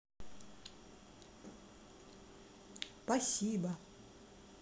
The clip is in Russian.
пасибо